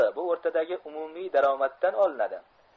bu o'rtadagi umumiy daromaddan olinadi